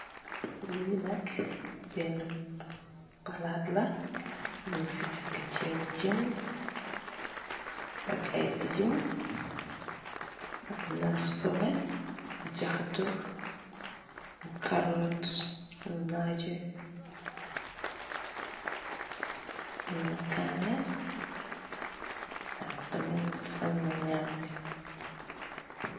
li nak bena palat la nyun si yeka cebujen ak ay lejum ak supameh jahatu carrot najo amna kani ak tamit amna nyambi.